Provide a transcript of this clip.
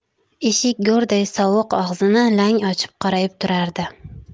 eshik go'rday sovuq og'zini lang ochib qorayib turardi